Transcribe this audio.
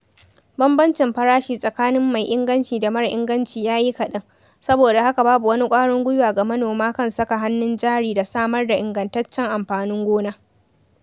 Bambancin farashi tsakanin mai inganci da mara inganci ya yi kaɗan, saboda haka babu wani ƙwarin guiwa ga manoma kan saka hannun jari da samar da ingantaccen amfanin gona.